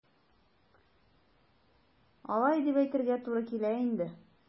Алай дип әйтергә туры килә инде.